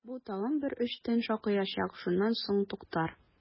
Бу тагын бер өч төн шакыячак, шуннан соң туктар!